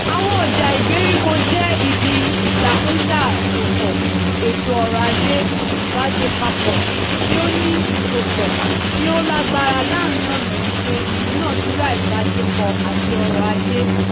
Àwọn ọjà ìgbèríko jẹ́ ibi ìtakùnṣàsopọ̀ ètò ọrọ̀-ajé àti ìbáṣe papọ̀ tí ó ní ìsopọ̀ tí ó lágbára láàárín ọ̀nà ìṣe ìdúnàádúrà ìbáṣepọ̀ àti ọrọ̀-ajé.